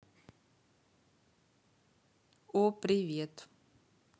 о привет